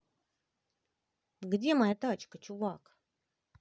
где моя тачка чувак